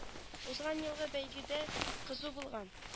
Узган елгы бәйге дә кызу булган